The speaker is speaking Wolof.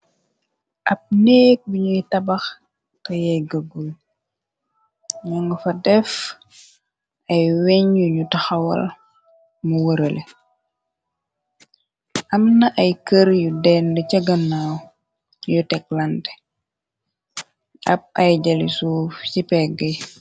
Ab neek bi ñuy tabax te yey gëgul ño nga fa def ay weñ yuñu taxawal mu wërale amna ay kër yu dend ca gannaaw yu teklànde ab ay jali suuf ci pegg yi.